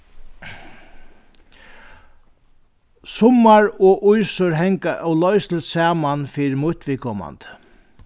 summar og ísur hanga óloysiligt saman fyri mítt viðkomandi